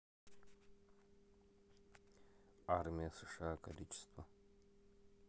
армия сша количество